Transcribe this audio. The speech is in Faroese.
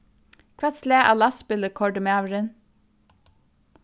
hvat slag av lastbili koyrdi maðurin